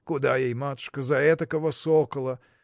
– Куда ей, матушка, за этакого сокола!